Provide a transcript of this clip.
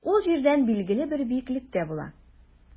Ул җирдән билгеле бер биеклектә була.